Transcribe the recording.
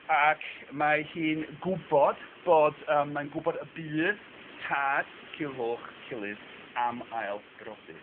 Ac mae hi'n gwbod bod yym mae'n gwybod y bydd tad Culhwch, Cilydd am ail br'odi.